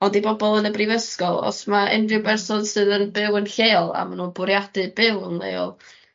Ond i bobol yn y brifysgol os ma' unryw berson sydd yn byw yn lleol a ma' nw'n bwriadu byw yn leol